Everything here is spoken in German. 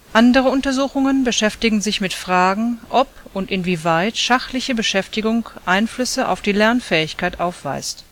Andere Untersuchungen beschäftigen sich mit Fragen, ob und inwieweit schachliche Beschäftigung Einflüsse auf die Lernfähigkeit aufweist